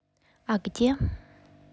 а где